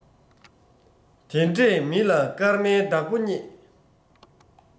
དེ འདྲས མི ལ སྐར མའི བདག པོ རྙེད